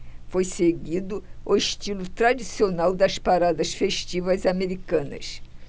foi seguido o estilo tradicional das paradas festivas americanas